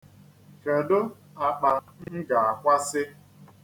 Kedụ akpa m ga-akwasị?